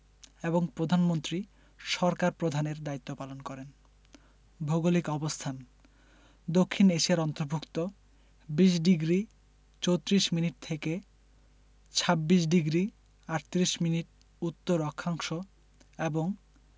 এবং প্রধানমন্ত্রী সরকার প্রধানের দায়িত্ব পালন করেন ভৌগোলিক অবস্থানঃ দক্ষিণ এশিয়ার অন্তর্ভুক্ত ২০ডিগ্রি ৩৪ মিনিট থেকে ২৬ ডিগ্রি ৩৮ মিনিট উত্তর অক্ষাংশ এবং